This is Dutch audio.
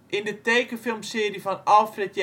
In de tekenfilmserie van Alfred